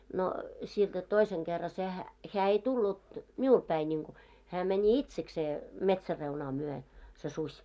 no sieltä toisen kerran sehän hän ei tullut minulle päin niin kuin hän meni itsekseen metsänreunaa myöten se susi